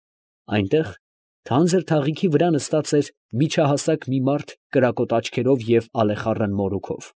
Այնտեղ թանձր թաղիքի վրա նստած էր միջահասակ մի մարդ կրակոտ աչքերով և ալեխառն մորուքով։